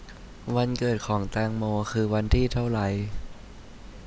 วันเกิดของแตงโมคือวันที่เท่าไร